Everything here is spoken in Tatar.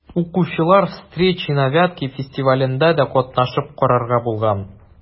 Укучылар «Встречи на Вятке» фестивалендә дә катнашып карарга булган.